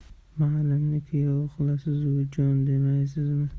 malimni kuyov qilasizu jon demaysizmi